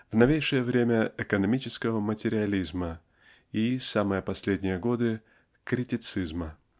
в новейшее время экономического материализма и -- самые последние годы -- критицизма.